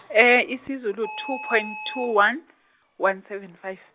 isiZulu two point two one, one seven five.